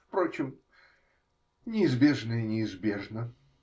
Впрочем, неизбежное неизбежно.